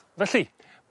Felly